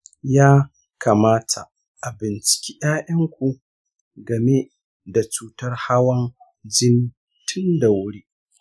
ya kamata a binciki ƴaƴanku game da cutar hawan-jini tun da wuri